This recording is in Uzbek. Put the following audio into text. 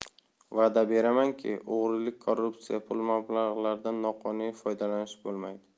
va'da beramanki o'g'rilik korrupsiya pul mablag'laridan noqonuniy foydalanish bo'lmaydi